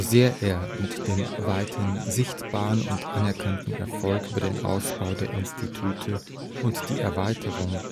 sehr er mit dem weithin sichtbaren und anerkannten Erfolg für den Ausbau der Institute und die Erweiterung